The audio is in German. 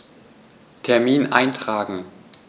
Termin eintragen